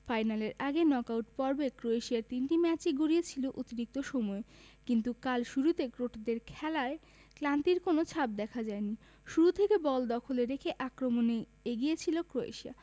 ফাইনালের আগে নকআউট পর্বে ক্রোয়েশিয়ার তিনটি ম্যাচই গড়িয়েছিল অতিরিক্ত সময়ে কিন্তু কাল শুরুতে ক্রোটদের খেলায় ক্লান্তির কোনো ছাপ দেখা যায়নি শুরু থেকে বল দখলে রেখে আক্রমণে এগিয়ে ছিল ক্রোয়েশিয়া